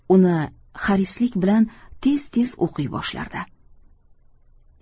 uni harislik bilan tez tez o'qiy boshlardi